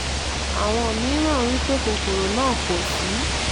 Àwọn mìíràn wí pé kòkòrò náà kò sí.